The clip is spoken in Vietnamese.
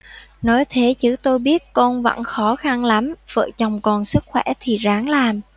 nói thế chứ tôi biết con vẫn khó khăn lắm vợ chồng còn sức khỏe thì ráng làm